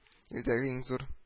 Илдәге иң зур